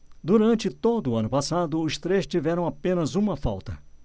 durante todo o ano passado os três tiveram apenas uma falta